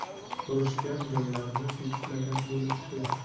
burishgan joylarini tekislagan bo'libdi